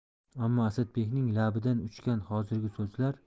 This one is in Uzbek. ammo asadbekning labidan uchgan hozirgi so'zlar